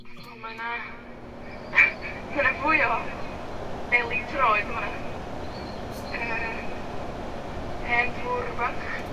O, mae 'na, ma' 'na fwy o beli troed yn fan 'na. Yy, hen fwr' bach.